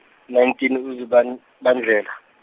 nineteen uZiban- bandlela.